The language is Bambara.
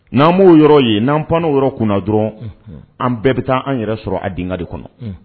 N'an'o yɔrɔ ye n'an pan yɔrɔ kunnana dɔrɔn an bɛɛ bɛ taa an yɛrɛ sɔrɔ a denkɛka de kɔnɔ